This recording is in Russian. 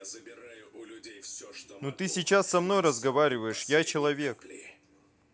ну ты сейчас со мной разговариваешь я человек